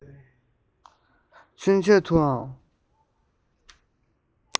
ཚུན ཆད དུའང